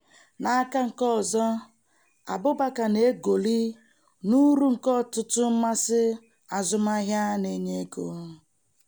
N'aka nke ọzọ, Abubakar, na-egoli "n'uru" nke "ọtụtụ mmasị azụmahịa na-enye ego".